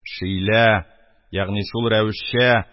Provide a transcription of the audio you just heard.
Шөйлә ягъни шул рәвешчә